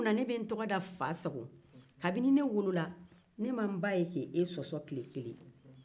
munna ne bɛ n tɔgɔ da fasago kabini ne wolola ne ma n ba ye ka e sɔsɔ tile kelen